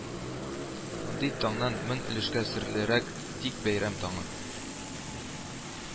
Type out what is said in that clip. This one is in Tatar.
Мондый таңнан мең өлешкә серлерәк тик бәйрәм таңы